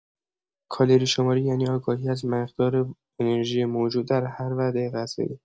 کالری‌شماری یعنی آگاهی از مقدار انرژی موجود در هر وعده غذایی.